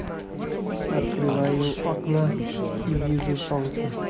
открываю окно и вижу солнце